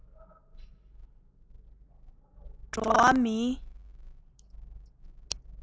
བོད ཀྱི འགྲོ བ མིའི